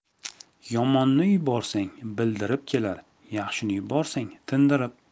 yomonni yuborsang bildirib kelar yaxshini yuborsang tindirib